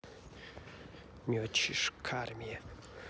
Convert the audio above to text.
миочич кармье